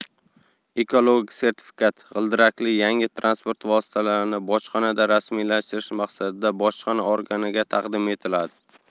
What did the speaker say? ekologik sertifikat g'ildirakli yangi transport vositasini bojxonada rasmiylashtirish maqsadida bojxona organiga taqdim etiladi